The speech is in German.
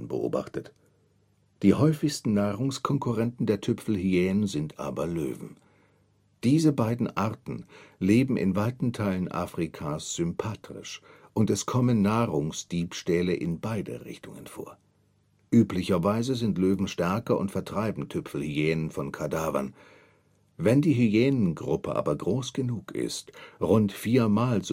beobachtet. Die häufigsten Nahrungskonkurrenten der Tüpfelhyänen sind aber Löwen. Diese beiden Arten leben in weiten Teilen Afrikas sympatrisch, und es kommen Nahrungsdiebstähle in beide Richtungen vor. Üblicherweise sind Löwen stärker und vertreiben Tüpfelhyänen von Kadavern. Wenn die Hyänengruppe aber groß genug ist – rund viermal soviel